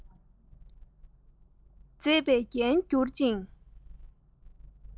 མཛེས པའི རྒྱན གྱུར ཅིག